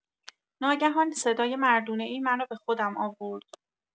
ناگهان صدای مردونه‌ای منو به خودم آورد.